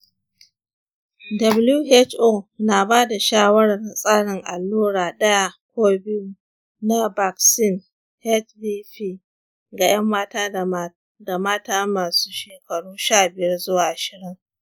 who na bada shawarar tsarin allura daya ko biyu na vaccine hpv ga yan mata da mata masu shekaru sha biyar zuwa ashirin.